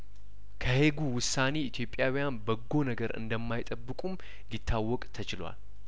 ከሄጉ ውሳኔ ኢትዮጵያዊያን በጐ ነገር እንደማይጠብቁም ሊታወቅ ተችሏል